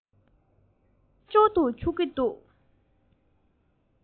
སྐྱོ སྣང གི རྦ རླབས ཅིག ཅར དུ འཕྱུར གྱི འདུག